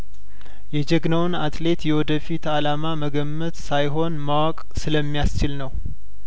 የጀግናውን አትሌት የወደፊት አላማ መገመት ሳይሆን ማወቅ ስለሚያስችል ነው